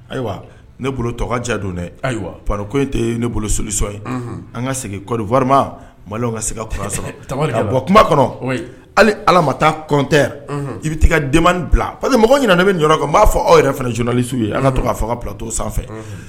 Ayiwa ne tɔgɔ jadon ayiwa p nelisɔ ye an ka seginma malo ka kuma kɔnɔ hali ala ma taa kɔn tɛ i bɛ taa den bila pa que mɔgɔ ɲɛna ne bɛ ɲɔ kan b'a fɔ aw yɛrɛ jɔnlisiw ye an tɔgɔ faga ka ptɔ sanfɛ